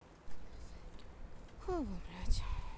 хавал блядь